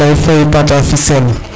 Ablaye Faye Patar Fissel